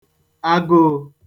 agụụ̄